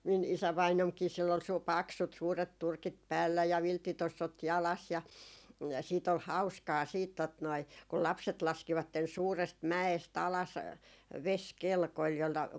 minun isävainaanikin sillä oli - paksut suuret turkit päällä ja vilttitossut jalassa ja siitä oli hauskaa sitten tuota noin kun lapset laskivat suuresta mäestä alas vesikelkoilla jollakin